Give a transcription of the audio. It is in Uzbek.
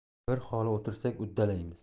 bir holi o'tirsak uddalaymiz